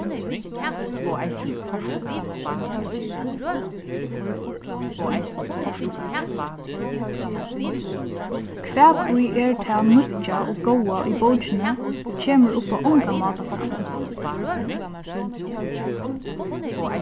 hvat ið er tað nýggja og góða í bókini kemur upp á ongan máta fram